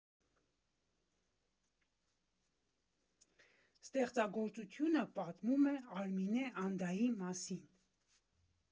Ստեղծագործությունը պատմում է Արմինե Անդայի մասին։